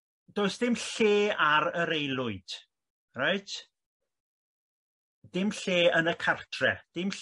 does dim lle ar yr aelwyd reit dim lle yn y cartre' dim lle ar